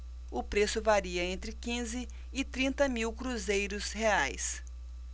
o preço varia entre quinze e trinta mil cruzeiros reais